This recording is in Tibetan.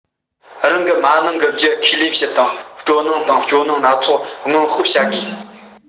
རང གི མ ནིང གི རྒྱུ ཁས ལེན བྱེད དང སྤྲོ སྣང དང སྐྱོ སྣང སྣ ཚོགས སྔོན དཔག བྱ དགོས